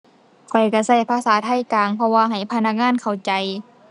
ข้อยก็ก็ภาษาไทยกลาง เพราะว่าให้พนักงานเข้าใจ